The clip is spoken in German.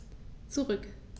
Zurück.